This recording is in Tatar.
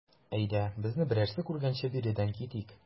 Әйдә, безне берәрсе күргәнче биредән китик.